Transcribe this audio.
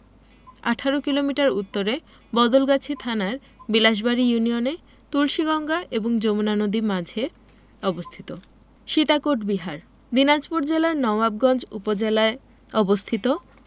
১৮ kilometre উত্তরে বদলগাছি থানার বিলাসবাড়ি ইউনিয়নে তুলসীগঙ্গা এবং যমুনা নদীর মাঝে অবস্থিত সীতাকোট বিহার দিনাজপুর জেলার নওয়াবগঞ্জ উপজেলায় অবস্থিত